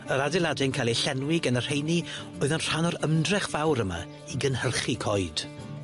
Yr adeilade'n cael eu llenwi gan y rheini oedd yn rhan o'r ymdrech fawr yma i gynhyrchu coed.